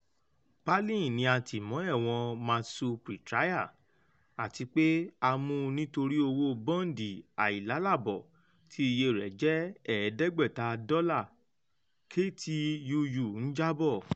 Palin ni a tìmọ́ èwọ̀n Mat-Su Pretrial àti pé a mu nítorí owó bọndi aílàlábọ̀ tií iye rẹ̀ jẹ́ $500, KTUU ń jábọ̀